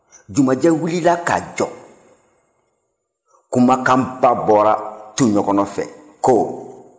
jumanjɛ wulila k'a jɔ kumakanba bɔra tu ɲɛkɔnɔ fɛ ko